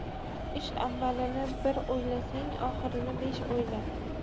ish avvalini bir o'ylasang oxirini besh o'yla